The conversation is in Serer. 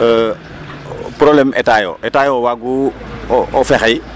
e% problème état yo e% état yo waagu o wexey .